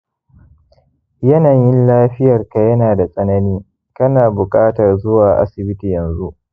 yanayin lafiyarka yana da tsanani, kana buƙatar zuwa asibiti yanzu